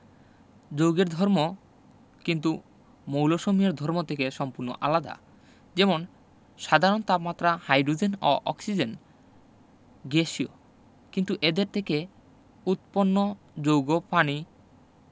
যৌগের ধর্ম কিন্তু মৌলসমূহের ধর্ম থেকে সম্পূর্ণ আলাদা যেমন সাধারণ তাপমাত্রা হাইডোজেন ও অক্সিজেন গ্যাসীয় কিন্তু এদের থেকে উৎপন্ন যৌগ পানি